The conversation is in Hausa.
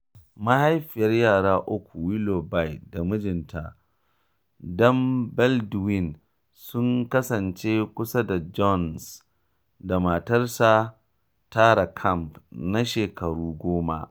Mahaifiyar yara uku Willoughby da mijinta Dan Baldwin sun kasance kusa da Jones da matarsa Tara Capp na shekaru goma.